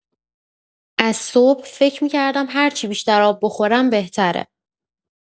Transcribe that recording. از صبح فکر می‌کردم هرچی بیشتر آب بخورم بهتره.